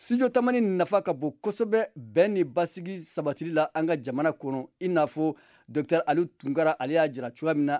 studio tamani nafa ka bon kosɛbɛ bɛn ni basigi sabatili la an ka jamana kɔnɔ inafɔ docteur ali tunkara ale y'a jira cogoya min na